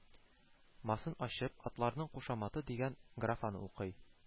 Масын ачып, «атларның кушаматы» дигән графаны укый